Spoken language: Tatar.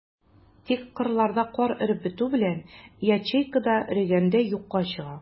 Тик кырларда кар эреп бетү белән, ячейка да эрегәндәй юкка чыга.